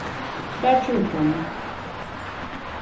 spar tjúgu krónur